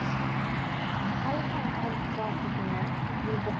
hali ham chalib turasizmi